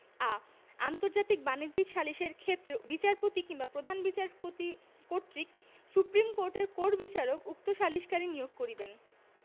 আ আন্তর্জাতিক বাণিজ্যিক সালিসের ক্ষেত্রে বিচারপতি বিংবা প্রধান বিচারপতি কর্তৃক সুপ্রীম কোর্টের কোর বিচারক উক্ত সালিসকারী নিয়োগ করিবেন